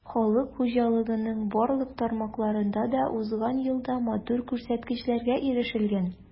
Халык хуҗалыгының башка тармакларында да узган елда матур күрсәткечләргә ирешелгән.